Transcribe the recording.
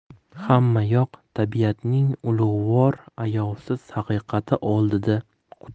hammayoq tabiatning ulug'vor ayovsiz haqiqati oldida